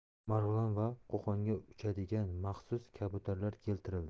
marg'ilon va qo'qonga uchadigan maxsus kabutarlar keltirildi